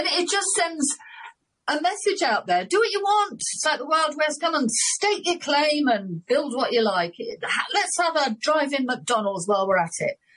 I mean it just sends a message out there do what you want, it's like the wild west come on state your claim and build what you like. Let's have a drive in McDonald's while we're at it.